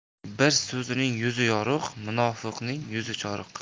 bir so'zlining yuzi yorug' munofiqning yuzi choriq